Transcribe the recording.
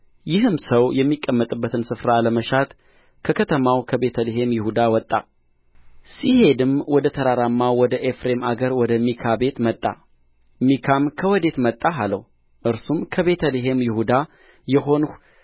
ይህም ሰው የሚቀመጥበትን ስፍራ ለመሻት ከከተማው ከቤተ ልሔም ይሁዳ ወጣ ሲሔድም ወደ ተራራማው ወደ ኤፍሬም አገር ወደ ሚካ ቤት መጣ ሚካም ከወዴት መጣህ አለው እርሱም ከቤተ ልሔም ይሁዳ የሆንሁ